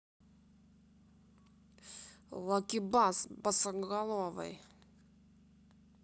laki bass босоголовый